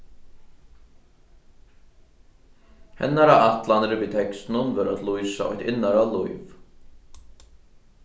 hennara ætlanir við tekstunum vóru at lýsa eitt innara lív